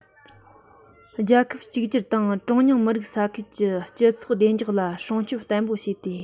རྒྱལ ཁབ གཅིག གྱུར དང གྲངས ཉུང མི རིགས ས ཁུལ གྱི སྤྱི ཚོགས བདེ འཇགས ལ སྲུང སྐྱོབ བརྟན པོ བྱས ཏེ